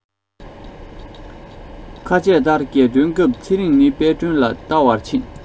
ཁ ཆད ལྟར རྒྱལ སྟོན སྐབས ཚེ རིང ནི དཔལ སྒྲོན ལ བལྟ བར ཕྱིན